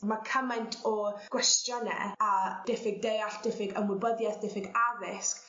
ma' cymaint o gwestiyne a diffyg deall diffyg ymwybyddieth diffyg addysg